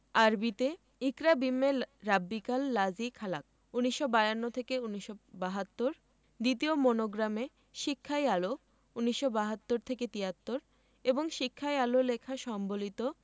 আরবিতে ইকরা বিস্মে রাব্বিকাল লাজি খালাক্ক ১৯৫২ থেকে ১৯৭২ দ্বিতীয় মনোগ্রামে শিক্ষাই আলো ১৯৭২ থেকে ৭৩ এবং শিক্ষাই আলো লেখা সম্বলিত